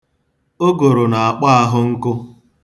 Ụgụrụ na-akpọ ahụ nkụ.